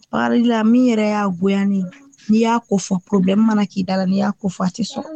Bakarijan min yɛrɛ y'a goya ne ye n'i y'a ko fɔ problême mana k'i da la n'i y'a ko fɔ i tɛ a sɔrɔ.